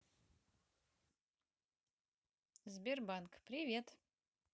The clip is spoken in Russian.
сбербанк привет